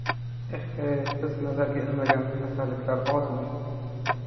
eh he biz nazarga ilmagan xastaliklar ozmi